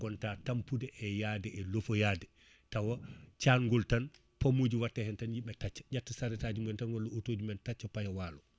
gonta tampude e yaade e lofoyade tawa caangol tan pomuji watte hen tan yimɓe tacca ƴetta charette taji mumen walla auto ji mumen tacca paaya walo